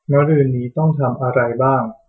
มะรืนนี้ต้องทำอะไรบ้าง